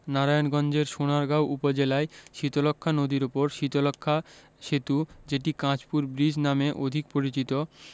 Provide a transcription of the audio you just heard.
নারায়ণগঞ্জের সোনারগাঁও উপজেলায় শীতলক্ষ্যা নদীর উপর শীতলক্ষ্যা সেতু যেটি কাঁচপুর ব্রীজ নামে অধিক পরিচিত